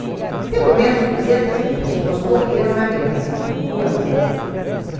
pelo menos duzentas mil pessoas morreram na guerra civil ruandesa